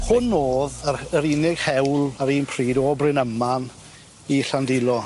Hwn o'dd yr yr unig hewl ar un pryd o Brynaman i Llandilo.